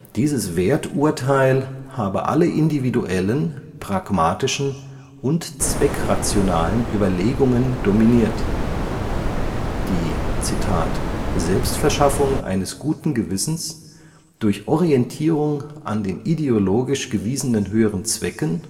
Dieses Werturteil habe alle individuellen, pragmatischen und zweckrationalen Überlegungen dominiert. Die „ Selbstverschaffung eines guten Gewissens durch Orientierung an den ideologisch gewiesenen höheren Zwecken